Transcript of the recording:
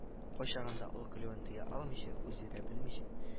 Кайчагында ул көлүен тыя алмыйча, үзе дә белмичә